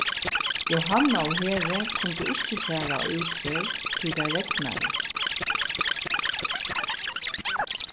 jóhanna og heri kundu ikki fara á útferð tí tað regnaði